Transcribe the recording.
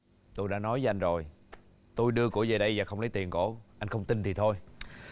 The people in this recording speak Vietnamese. tôi đã nói với anh rồi tôi đưa cổ về đây và không lấy tiền cổ anh không tin thì thôi